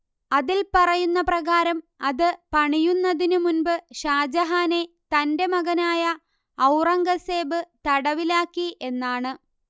അതിൽ പറയുന്ന പ്രകാരം അത് പണിയുന്നതിനു മുൻപ് ഷാജഹാനെ തന്റെ മകനായ ഔറംഗസേബ് തടവിലാക്കി എന്നാണ്